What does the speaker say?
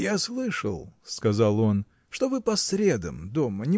– Я слышал, – сказал он, – что вы по средам дома